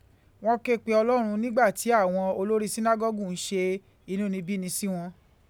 Wọ́n ké pe Ọlọ́run nígbà tí àwọn olórí sínágọ́gù ń ṣe inúnibíni sí wọn.